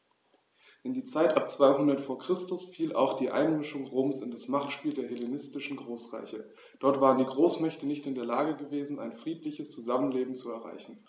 In die Zeit ab 200 v. Chr. fiel auch die Einmischung Roms in das Machtspiel der hellenistischen Großreiche: Dort waren die Großmächte nicht in der Lage gewesen, ein friedliches Zusammenleben zu erreichen.